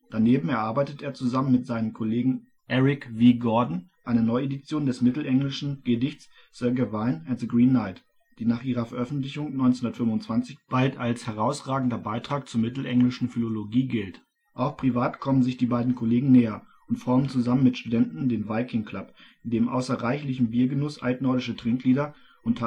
Daneben erarbeitet er zusammen mit seinem Kollegen Eric V. Gordon eine Neuedition des mittelenglischen Gedichts Sir Gawain and the Green Knight, die nach ihrer Veröffentlichung 1925 bald als herausragender Beitrag zur mittelenglischen Philologie gilt. Auch privat kommen sich die beiden Kollegen näher und formen zusammen mit Studenten den Viking-Club, in dem außer reichlichem Biergenuss altnordische Trinklieder und